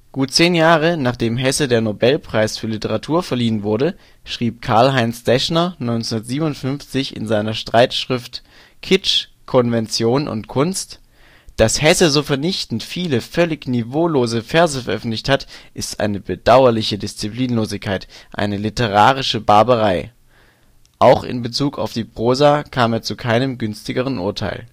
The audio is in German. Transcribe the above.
Gut zehn Jahre nachdem Hesse der Nobelpreis für Literatur verliehen wurde, schrieb Karlheinz Deschner 1957 in seiner Streitschrift Kitsch, Konvention und Kunst: " Dass Hesse so vernichtend viele völlig niveaulose Verse veröffentlicht hat, ist eine bedauerliche Disziplinlosigkeit, eine literarische Barbarei " und kam auch in Bezug auf die Prosa zu keinem günstigeren Urteil